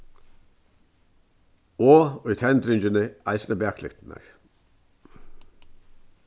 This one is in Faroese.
og í tendringini eisini baklyktirnar